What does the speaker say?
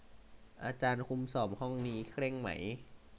อาจารย์คุมสอบห้องนี้เคร่งไหม